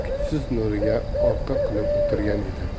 kuchsiz nuriga orqa qilib o'tirgan edi